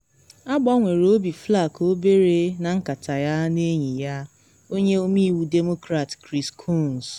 Agbanwere obi Flake obere na nkata ya na enyi ya, Onye Ọmeiwu Demokrat Chris Coons.